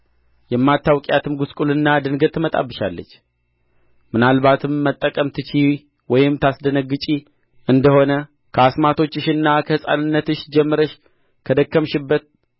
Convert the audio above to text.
የማትውቂያትም ጕስቍልና ድንገት ትመጣብሻለች ምናልባትም መጠቀም ትችዪ ወይም ታስደነግጪ እንደ ሆነ ከአስማቶችሽና ከሕፃንነትሽ ጀምረሽ ከደከምሽበት